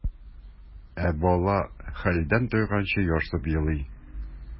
Ә бала хәлдән тайганчы ярсып елый.